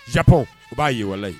Japon u b'a ye walayi.